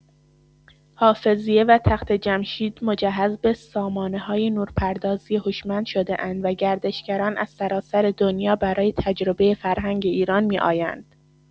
حافظیه و تخت‌جمشید مجهز به سامانه‌های نورپردازی هوشمند شده‌اند و گردشگران از سراسر دنیا برای تجربه فرهنگ ایران می‌آیند.